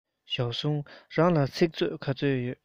ཞའོ སུའུ རང ལ ཚིག མཛོད ག ཚོད ཡོད